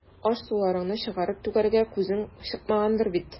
Аш-суларыңны чыгарып түгәргә күзең чыкмагандыр бит.